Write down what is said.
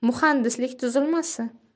muhandislik tuzilmasi